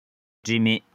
ངས བྲིས མེད